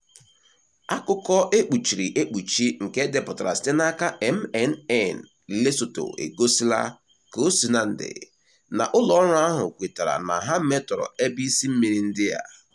Akụkọ ekpuchiri ekpuchi nke edepụtara sitere n'aka MNN Lesotho egosila, kaosinandi, na ụlọ ọrụ ahụ kwetara na ha metọrọ ebe isi mmiri ndị a.